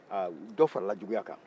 dɔ farala juguya kan